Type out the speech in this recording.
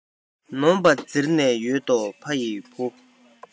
ནོམ པ འཛིར ནས ཡོད དོ ཕ ཡི བུ